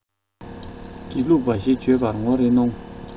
དགེ ལུགས པ ཞེས བརྗོད པར ངོ རེ གནོང